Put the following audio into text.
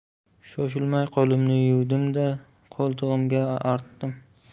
shoshilmay qo'limni yuvdimda qo'ltigimga artdim